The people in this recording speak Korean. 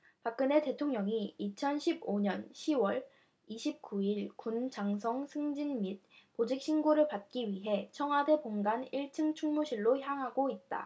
박근혜 대통령이 이천 십 오 년 시 월 이십 구 일 군 장성 승진 및 보직신고를 받기 위해 청와대 본관 일 층 충무실로 향하고 있다